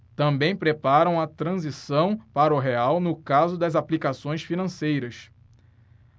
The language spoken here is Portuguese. também preparam a transição para o real no caso das aplicações financeiras